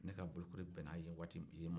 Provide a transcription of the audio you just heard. ne ka bolokoli bɛnna yen ma